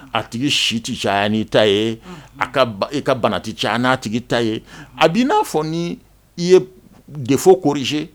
A tigi si tɛ caya n' ta ye a e ka bana tɛ ca an n'a tigi ta ye a bi n'a fɔ ni i ye de fɔ korise